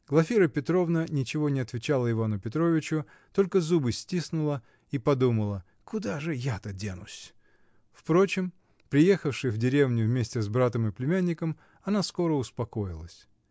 Глафира Петровна ничего не отвечала Ивану Петровичу, только зубы стиснула и подумала: "Куда же я-то денусь?" Впрочем, приехавши в деревню вместе с братом и племянником, она скоро успокоилась.